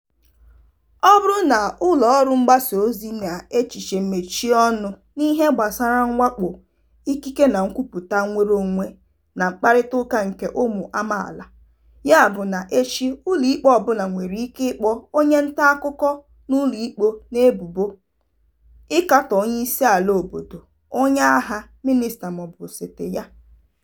Ọ bụrụ na ụlọọrụ mgbasaozi na echiche mechie ọnụ n'ihe gbasara mwakpo ikike na nkwupụta nnwereonwe na mkpakọrịta nke ụmụ amaala, ya bụ na echi ụlọikpe ọbụla nwere ike ịkpọ onye ntaakụkọ n'ụlọikpe n'ebubo ịkatọ onyeisiala obodo, onyeagha, mịnịsta maọbụ osote ya.